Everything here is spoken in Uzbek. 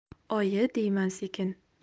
oyi deyman sekin